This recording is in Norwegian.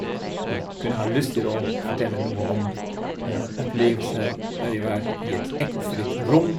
Og jeg kunne ha lyst til å fortelle noe om opplevelse da jeg var i et ekkofritt rom.